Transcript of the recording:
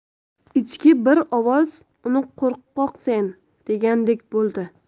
ichki bir ovoz uni qo'rqoqsen degandek jerkidi